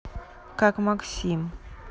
как максим